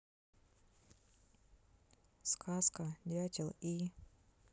сказка дятел и